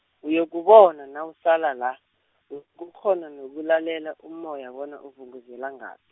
uyokubona nawusala la, u kghona nokulalela umoya bona uvunguzela ngaphi.